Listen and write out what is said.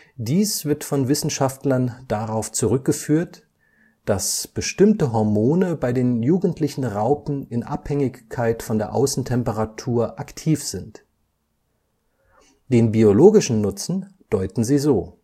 Dies wird von Wissenschaftlern darauf zurückgeführt, dass bestimmte Hormone bei den jugendlichen Raupen in Abhängigkeit von der Außentemperatur aktiv sind; den biologischen Nutzen deuten sie so